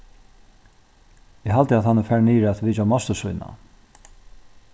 eg haldi at hann er farin niður at vitja mostir sína